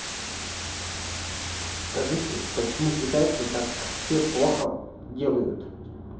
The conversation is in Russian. скажи почему китайцы так все плохо делают